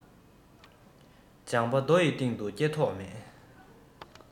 ལྗང པ རྡོ ཡི སྟེང དུ སྐྱེ མདོག མེད